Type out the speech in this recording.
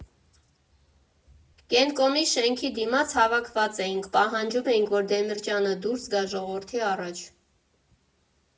Կենտկոմի շենքի դիմաց հավաքված էինք, պահանջում էինք, որ Դեմիրճյանը դուրս գա ժողովրդի առաջ։